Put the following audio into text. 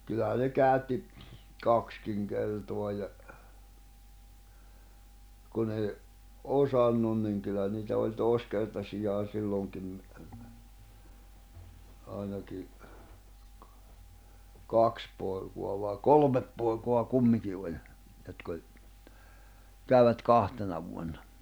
kyllähän ne käytti kaksikin kertaa ja kun ei osannut niin kyllä niitä oli toiskertaisiakin silloinkin ainakin kaksi poikaa vai kolme poikaa kumminkin oli jotka oli kävivät kahtena vuonna